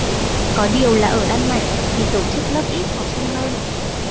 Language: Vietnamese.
có điều là ở đan mạch thì tổ chức lớp ít học sinh hơn